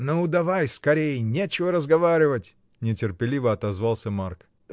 — Ну, давай скорей, нечего разговаривать! — нетерпеливо отозвался Марк.